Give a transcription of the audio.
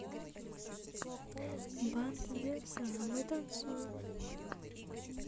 банд одесса а мы танцуем